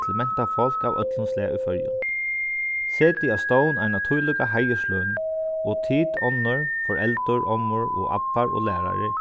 til mentafólk av øllum slag í føroyum setið á stovn eina tílíka heiðursløn og tit onnur foreldur ommur og abbar og lærarar